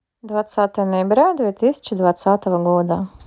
двадцатое ноября две тысячи двадцатого года